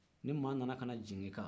ni maa nana ka na jigiw kan